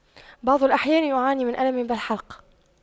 بعض الأحيان أعاني من ألم بالحلق